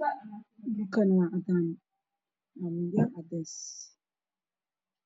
barkimo